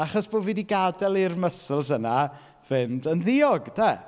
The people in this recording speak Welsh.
Achos bo' fi 'di gadael i'r muscles yna fynd yn ddiog, de?